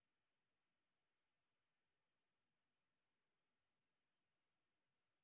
включи трансляцию канала пятница